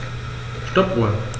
Stoppuhr.